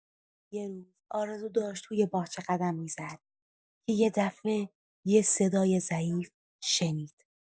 یه روز، آرزو داشت توی باغچه قدم می‌زد که یه دفعه یه صدای ضعیف شنید.